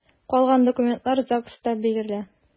Калган документлар ЗАГСта бирелә.